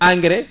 engrais